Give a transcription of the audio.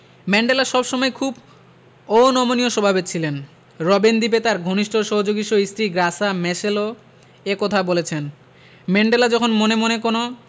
Mandela সব সময় খুব অনমনীয় স্বভাবের ছিলেন রোবেন দ্বীপে তাঁর ঘনিষ্ঠ সহযোগীসহ স্ত্রী গ্রাসা ম্যাশেলও এ কথা বলেছেন ম্যান্ডেলা যখন মনে মনে কোনো